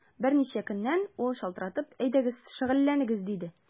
Берничә көннән ул шалтыратып: “Әйдәгез, шөгыльләнегез”, диде.